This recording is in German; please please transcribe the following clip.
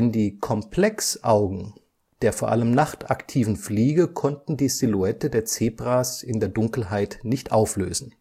die Komplexaugen der vor allem nachtaktiven Fliege konnten die Silhouette der Zebras in der Dunkelheit nicht auflösen